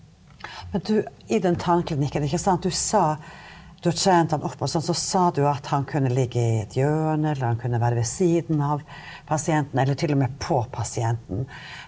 men du i den tannklinikken ikke sant, du sa du har trent han opp og sånn så sa du at han kunne ligge i et hjørne, eller han kunne være ved siden av pasienten, eller t.o.m. på pasienten.